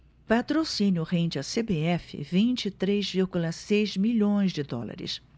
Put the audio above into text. patrocínio rende à cbf vinte e três vírgula seis milhões de dólares